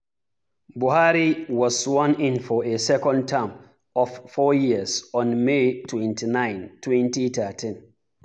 Buhari was sworn-in for a second term of four years on May 29, 2019.